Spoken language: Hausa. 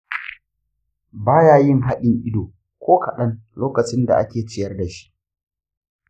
ba ya yin haɗin ido ko kaɗan lokacin da ake ciyar da shi.